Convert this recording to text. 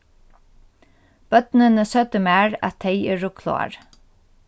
børnini søgdu mær at tey eru klár